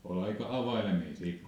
oli aika availeminen sitten kun